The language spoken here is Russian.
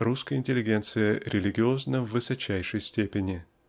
русская интеллигенция религиозна в высочайшей степени.